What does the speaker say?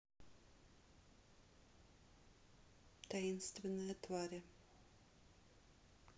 таинственные твари